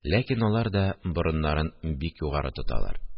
Ләкин алар да борыннарын бик югары тоталар